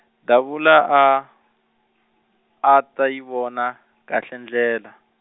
Davula a, a ta yi vona kahle ndlela.